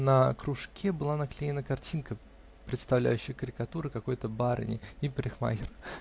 На кружке была наклеена картинка, представляющая карикатуры какой-то барыни и парикмахера.